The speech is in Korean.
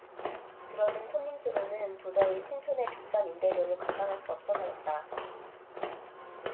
줄어든 손님 수로는 도저히 신촌의 비싼 임대료를 감당할 수 없어서였다